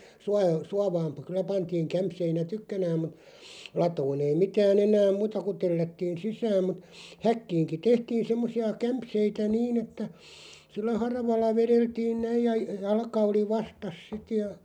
- suovaan - kyllä pantiin kämseinä tykkänään mutta latoon ei mitään enää muuta kuin tellättiin sisään mutta häkkiinkin tehtiin semmoisia kämseitä niin että sillä haravalla vedeltiin näin ja jalka oli vastassa sitten ja